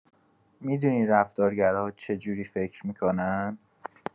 می‌دونی رفتارگراها چه جوری فکر می‌کنن؟